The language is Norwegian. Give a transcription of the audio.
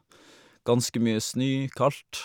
Ganske mye snø, kaldt.